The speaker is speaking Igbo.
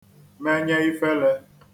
menye īfēlē